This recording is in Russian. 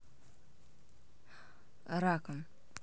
раком